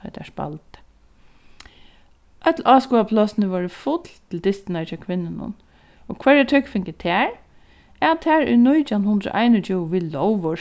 tá ið teir spældu øll áskoðaraplássini vóru full til dystirnar hjá kvinnunum og hvørja tøkk fingu tær at tær í nítjan hundrað og einogtjúgu við lóg vórðu